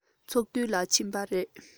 ཚོགས འདུ ལ ཕྱིན པ རེད